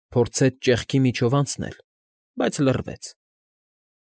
Փորձեց ճեղքի միջով անցնել, բայց լռվեց։